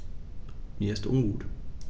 Mir ist ungut.